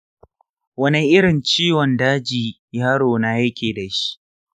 wani irin ciwon daji yaro na yake dashi?